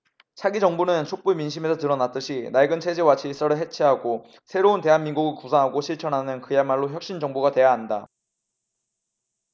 차기 정부는 촛불 민심에서 드러났듯이 낡은 체제와 질서를 해체하고 새로운 대한민국을 구상하고 실천하는 그야말로 혁신 정부가 돼야 한다